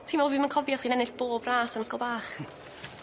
Ti'n me'wl fi'm yn cofio chdi'n ennill bob ras yn ysgol bach? Hmm.